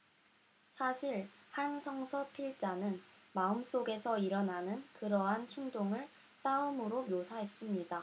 사실 한 성서 필자는 마음속에서 일어나는 그러한 충돌을 싸움으로 묘사했습니다